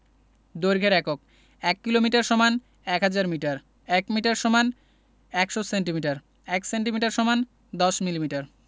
দৈর্ঘ্যের এককঃ ১ kilometre = ১০০০ metre ১ metre = ১০০ centimetre ১ centimetre = ১০ millimetre